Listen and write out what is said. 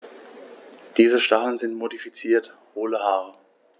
Diese Stacheln sind modifizierte, hohle Haare.